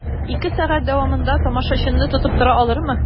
Ике сәгать дәвамында тамашачыны тотып тора алырмы?